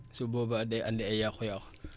su boobaa day andi ay yàqu-yàqu